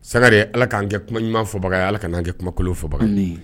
Sangare Ala k'an kɛ kuma ɲuman fɔbaga ye. Ala kana kɛ kumakolon fɔbaga ye; Ami